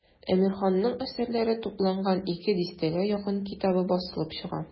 Әмирханның әсәрләре тупланган ике дистәгә якын китабы басылып чыга.